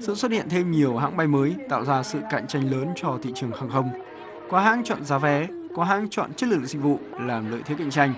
sự xuất hiện thêm nhiều hãng bay mới tạo ra sự cạnh tranh lớn cho thị trường hàng không có hãng chọn giá vé của hãng chọn chất lượng dịch vụ làm lợi thế cạnh tranh